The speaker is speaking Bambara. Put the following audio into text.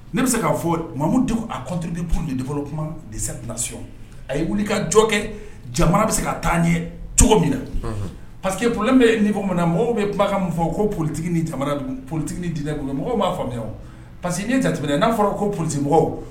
Ne bɛ se k'a fɔ ma dugu a cobi pur de fɔlɔ kuma desana a ye wuli ka jɔ kɛ jamana bɛ se ka taa ɲɛ cogo min na pa parce que polilɛ bɛ ye ni bɔ minna na mɔgɔw bɛ kumakan min fɔ ko politigi ni politigiinin diinɛ bolo mɔgɔ b'a faamuya pa que ɲɛ jate tɛmɛɛna n'a fɔra ko polite mɔgɔw